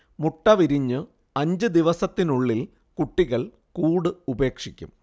മുട്ട വിരിഞ്ഞ് അഞ്ച് ദിവസത്തിനുള്ളിൽ കുട്ടികൾ കൂട് ഉപേക്ഷിക്കും